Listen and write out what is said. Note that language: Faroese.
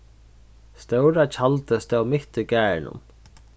stóra tjaldið stóð mitt í garðinum